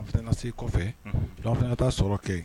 An se kɔfɛ an fana taa sɔrɔ kɛ